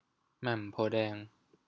แหม่มโพธิ์แดง